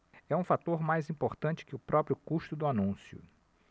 é um fator mais importante que o próprio custo do anúncio